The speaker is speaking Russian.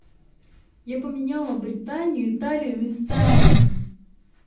я поменяла британию италию местами